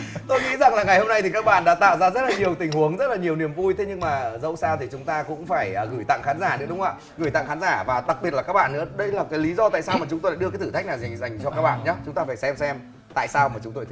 tôi nghĩ rằng là ngày hôm nay thì các bạn đã tạo ra rất nhiều tình huống rất là nhiều niềm vui thế nhưng mà dẫu sao thì chúng ta cũng phải gửi tặng khán giả nữa đúng không ạ gửi tặng khán giả và đặc biệt là các bạn nữa đây là cái lý do tại sao mà chúng tôi lại đưa cái thử thách này dành cho các bạn nhơ chúng ta phải xem xem tại sao mà chúng tôi